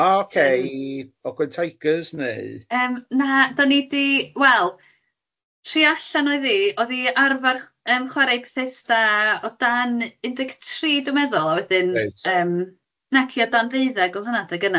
O ocê i Ogwen Tigers neu ...Yym na dan ni di, wel, trio allan oedd hi oedd i arfar yym chwara Bethesda o dan un deg tri dwi'n meddwl a wedyn ...Reit. Yym naci o dan ddeuddeg o hwnna adeg yna.